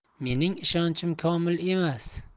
mening ishonchim komil emas